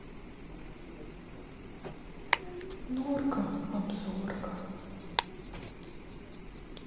норка обзорка